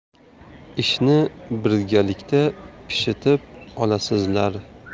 ishni birgalikda pishitib olasizlar